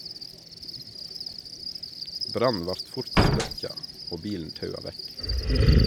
Brannen vart fort sløkkja og bilen taua vekk.